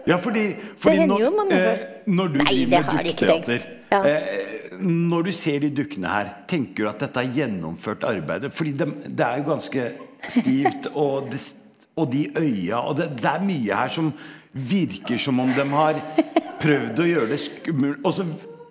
ja fordi fordi når du driver med dukketeater når du ser de dukkene her, tenker du at dette er gjennomført arbeid fordi dem det er jo ganske stivt, og det og de øya og det det er mye her som virker som om dem har prøvd å gjøre det også.